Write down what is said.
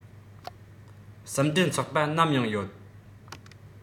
གསུམ འབྲེལ ཚོགས པ ནམ ཡང ཡོད